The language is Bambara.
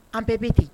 An bɛɛ bi ten.